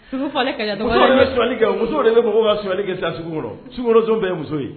Muso de bɛ su kɛ sa su muso ye